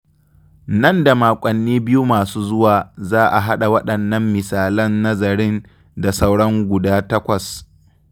Nan da makwanni biyu masu zuwa za a haɗa waɗannan misalan nazarin da sauran guda takwas.